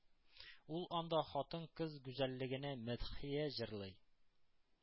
Ул анда хатын-кыз гүзәллегенә мәдхия җырлый,